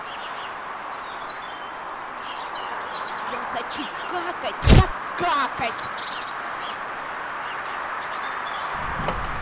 я хочу какать как какать